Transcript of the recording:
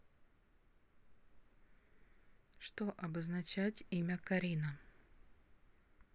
что обозначать имя карина